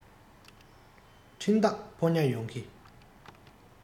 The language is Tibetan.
འཕྲིན བདག ཕོ ཉ ཡོང གི